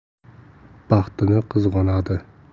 baxtini qizg'anadi